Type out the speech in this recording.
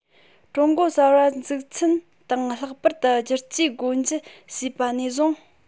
ཀྲུང གོ གསར པ བཙུགས ཚུན དང ལྷག པར དུ བསྒྱུར བཅོས སྒོ འབྱེད བྱས པ ནས བཟུང